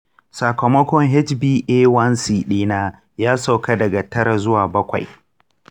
sakamakon hba1c ɗina ya sauka daga tara zuwa bakwai.